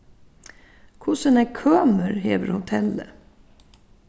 hvussu nógv kømur hevur hotellið